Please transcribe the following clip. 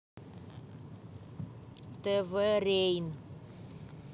тв рейн